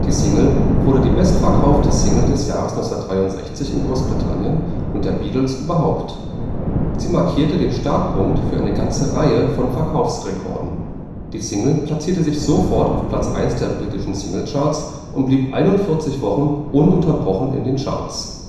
Single wurde die bestverkaufte Single des Jahres 1963 in Großbritannien und der Beatles überhaupt. Sie markierte den Startpunkt für eine ganze Reihe von Verkaufsrekorden. Die Single platzierte sich sofort auf Platz eins der britischen Singlecharts und blieb 41 Wochen ununterbrochen in den Charts